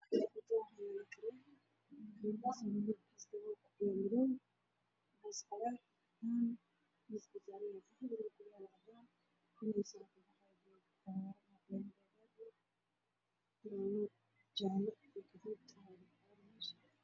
Meeshan waxaa yaalo karaan qiimo dhimis lagu sameeyay oo allaatan shan doolar hadda laga dhigay todobo iyo toban doolar ku waa madow cadaadis ku jiro